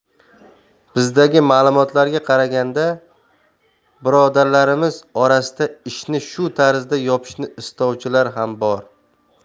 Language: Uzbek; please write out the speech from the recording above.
bizdagi ma'lumotlarga qaraganda birodarlarimiz orasida ishni shu tarzda yopishni istovchilar ham bor